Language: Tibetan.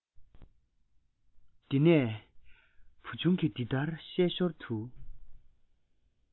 འདི ནས བུ ཆུང གིས དེ ལྟར བཤད ཞོར དུ